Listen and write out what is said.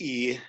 i